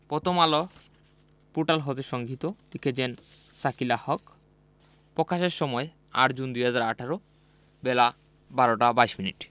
Prothom Alo portal হতে সংগৃহীত লিখেছেন শাকিলা হক প্রকাশের সময় ৮জুন ২০১৮ বেলা ১২টা ২২মিনিট